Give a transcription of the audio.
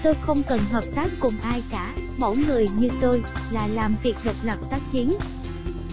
tôi không cần hợp tác cùng ai cả mẫu người như tôi là làm việc độc lập tác chiến